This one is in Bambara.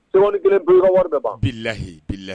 Seconde kelen pewu i ka wari bɛ ban bilayi